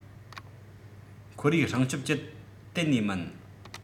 ཁོར ཡུག སྲུང སྐྱོབ ཅུད གཏན ནས མིན